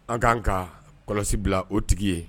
An k ka'an ka kɔlɔsi bila o tigi ye